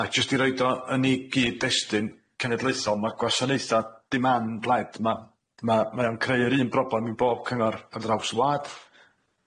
A jyst i roid o yn i gyd destun cenedlaethol ma'r gwasanaetha demand led ma' ma' mae o'n creu yr un broblam i bob cyngor ar draws y wlad.